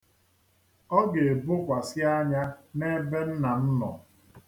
Ọ ga-ebokwasị anya n'ebe nna m nọ.